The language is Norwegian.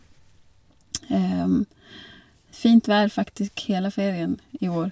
Fint vær faktisk hele ferien i år.